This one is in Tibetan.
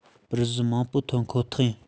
པར གཞི མང པོ ཐོན ཁོ ཐག ཡིན